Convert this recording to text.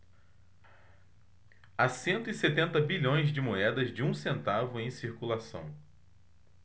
há cento e setenta bilhões de moedas de um centavo em circulação